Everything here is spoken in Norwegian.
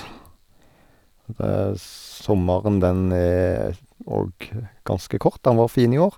og det Sommeren den er òg ganske kort, den var fin i år.